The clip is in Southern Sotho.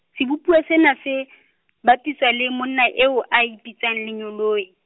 sebopuwa sena, se, bapiswa le monna eo a mmitsang lengeloi.